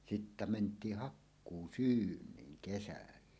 sitten mentiin hakkuusyyniin kesällä